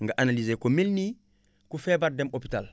nga analysé ko mel ni ku feebar dem hopital